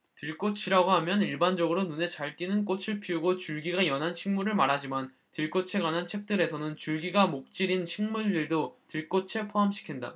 들꽃이라고 하면 일반적으로 눈에 잘 띄는 꽃을 피우고 줄기가 연한 식물을 말하지만 들꽃에 관한 책들에서는 줄기가 목질인 식물들도 들꽃에 포함시킨다